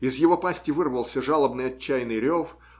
Из его пасти вырвался жалобный отчаянный рев